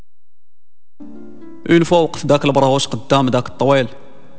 من فوق ذاك المره ذاك الطويل